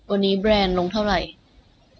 วันนี้แบรนด์ลงเท่าไหร่